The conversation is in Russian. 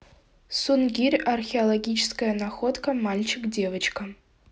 сунгирь археологическая находка мальчик девочка